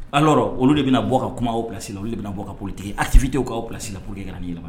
Ala yɔrɔ olu de bɛna bɔ ka kumaw bilasi la olu bɛna bɔ ka polite atifitewkaw bilalasilaoli ka' la